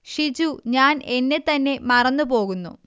ഷിജു ഞാൻ എന്നെ തന്നെ മറന്നു പോകുന്നു